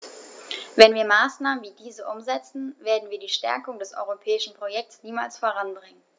Wenn wir Maßnahmen wie diese umsetzen, werden wir die Stärkung des europäischen Projekts niemals voranbringen.